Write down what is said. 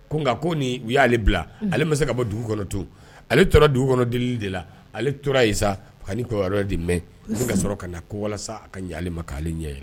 Ko nka kɔni u y'ale bila, a le ma se ka bɔ dugu kɔnɔ tukun , a le tora dugu kɔnɔ deeli de la, ale tora yen sa ka nin kibaruya de mɛn sa ni ka sɔrɔ ka na wala sa ka ɲɛn a le ma k’a le ɲɛ yɛlɛ